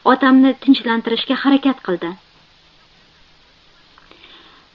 otamni tinchlantirishga harakat qildi